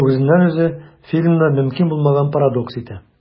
Бу үзеннән-үзе фильмны мөмкин булмаган парадокс итә.